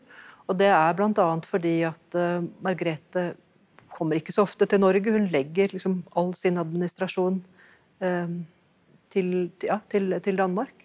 og det er bl.a. fordi at Margrete kommer ikke så ofte til Norge, hun legger liksom all sin administrasjon til ja til til Danmark.